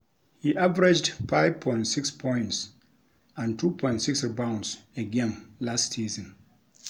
He averaged 5.6 points and 2.6 rebounds a game last season.